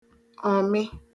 ọ̀mị